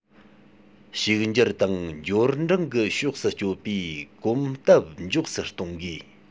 ཕྱུག འགྱུར དང འབྱོར འབྲིང གི ཕྱོགས སུ སྐྱོད པའི གོམ སྟབས མགྱོགས སུ གཏོང དགོས